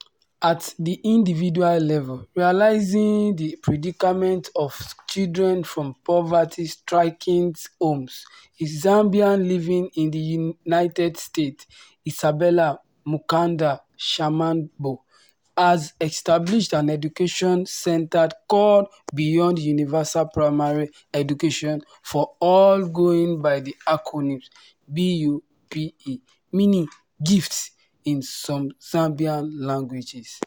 At the individual level, realising the predicament of children from poverty-stricken homes, a Zambian living in the United States, Isabella Mukanda Shamambo, has established an education centre called Beyond Universal Primary Education for All going by the acronym, BUPE (meaning “gift” in some Zambian languages).